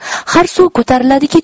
har suv ko'tariladiki